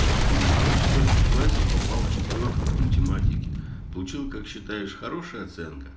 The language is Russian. слушай я в четвертом классе попал в четверку по математике получила как считаешь хорошая оценка